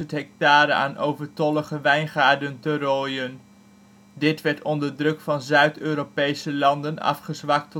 hectare aan overtollige wijngaarden te rooien, dat onder druk van zuid Europese landen afgezwakt